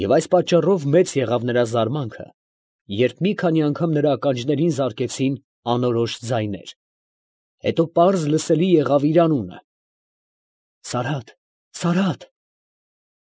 Եվ այս պատճառով մեծ եղավ նրա զարմանքը, երբ մի քանի անգամ նրա ականջներին զարկեցին անորոշ ձայներ, հետո պարզ լսելի եղավ իր անունը՝ «Սարհատ, Սարհատ»։